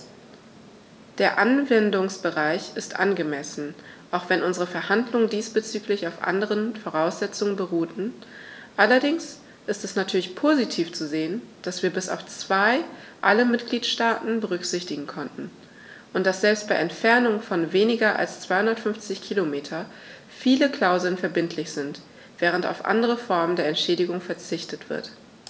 Der Anwendungsbereich ist angemessen, auch wenn unsere Verhandlungen diesbezüglich auf anderen Voraussetzungen beruhten, allerdings ist es natürlich positiv zu sehen, dass wir bis auf zwei alle Mitgliedstaaten berücksichtigen konnten, und dass selbst bei Entfernungen von weniger als 250 km viele Klauseln verbindlich sind, während auf andere Formen der Entschädigung verzichtet wird.